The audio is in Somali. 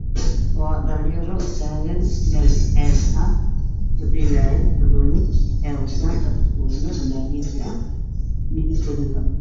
Waa dhalinyaro taagan meel ceel ah ku dhelaya banooni waxay wataan dhar oo maaliyo ah midabkooda waa buluug